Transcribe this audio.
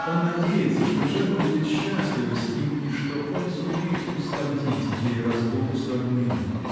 Он надеется, что Джемма будет счастлива с ним и что он сумеет усладить ей разлуку с родными!.